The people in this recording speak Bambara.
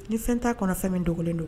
Ni fɛn t'a kɔnɔ fɛn min dogolen don